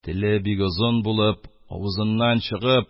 Теле бик озын булып, авызыннан чыгып,